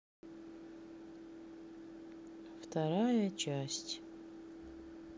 вторая часть